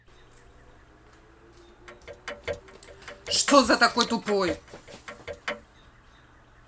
что за такой тупой